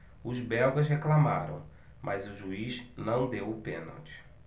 os belgas reclamaram mas o juiz não deu o pênalti